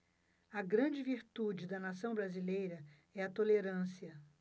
a grande virtude da nação brasileira é a tolerância